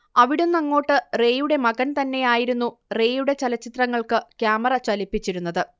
അവിടുന്നങ്ങോട്ട് റേയുടെ മകൻ തന്നെയായിരുന്നു റേയുടെ ചലച്ചിത്രങ്ങൾക്ക് ക്യാമറ ചലിപ്പിച്ചിരുന്നത്